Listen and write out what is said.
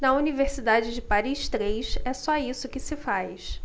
na universidade de paris três é só isso que se faz